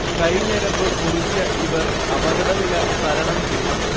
കൈ ഞരമ്ബ് മുറിച്ച ഇവർ അപകടനില തരണം ചെയ്തു